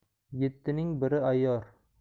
yettining biri ayyor